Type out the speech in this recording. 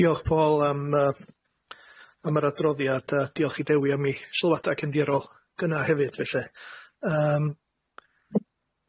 Diolch Paul am yy am yr adroddiad a diolch i Dewi am i sylwadau cyndirol gynna hefyd felly yym,